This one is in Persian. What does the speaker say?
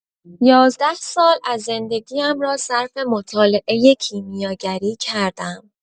یازده سال از زندگی‌ام را صرف مطالعه کیمیاگری کردم.